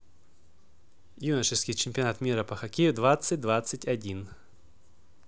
юношеский чемпионат мира по хоккею двадцать двадцать один